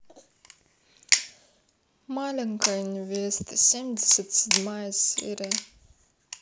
маленькая невеста семьдесят седьмая серия